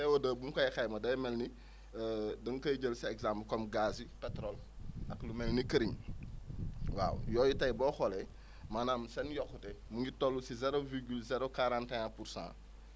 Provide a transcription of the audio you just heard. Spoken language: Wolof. CO3 bu ñu koy xayma day mel ni danga koy jël si exemple comme gaz yi pétrole ak lu mel ni këriñ waaw yooyu tey boo xoolee maanaam seen yokkute mu ngi toll si zero virgule zero quarante et un pour cent